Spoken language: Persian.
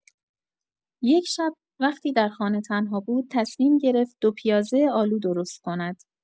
یک شب، وقتی در خانه تنها بود، تصمیم گرفت دوپیازه‌آلو درست کند.